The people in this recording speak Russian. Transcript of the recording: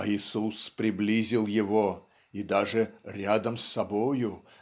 "а Иисус приблизил его и даже рядом с собою